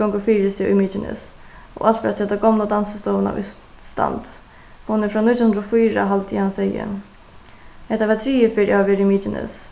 gongur fyri seg í mykines og alt fyri at seta gomlu dansistovuna í stand hon er frá nítjan hundrað og fýra haldi eg hann segði hetta var triðju ferð eg havi verið í mykines